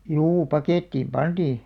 juu pakettiin pantiin